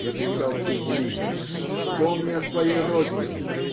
-- закричал Чун-Линг, -- вспомни о своей родине!